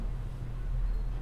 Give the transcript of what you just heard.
I